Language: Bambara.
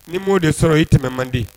N'i m'o de sɔrɔ, i tɛmɛ man di.